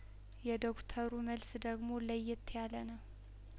የዶክተሩ መልስ ደግሞ ለየት ያለነው